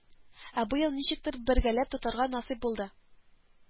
Ә быел ничектер бергәләп тотарга насыйп булды